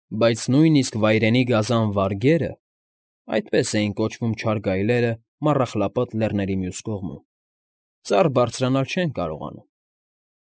Բայց նույնիսկ վայրենի֊գազան վարգերը (այդպես էին կոչվում չար գայլերը Մառախլապատ Լեռների մյուս կողմում) ծառ բարձրանալ չեն կարողանում։